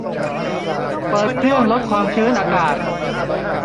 เปิดเครื่องลดความชื้นอากาศ